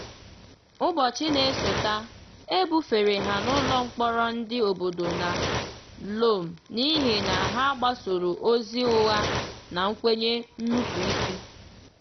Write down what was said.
Ụbọchị na-esota, e bufere ha n'ụlọ mkpọrọ ndị obodo na Lome n'ihi na ha gbasara ozi ụgha na nkwanye nnupụisi.